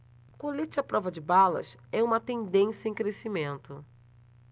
colete à prova de balas é uma tendência em crescimento